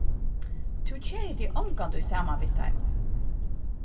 tú keðir teg ongantíð saman við teimum